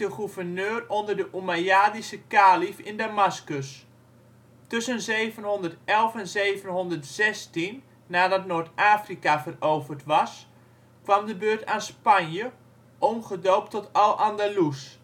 gouverneur onder de Oemajjadische kalief in Damascus. Tussen 711 en 716 nadat Noord-Afrika veroverd was, kwam de beurt aan Spanje, omgedoopt tot Al-Andalus